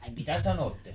ai mitä sanoitte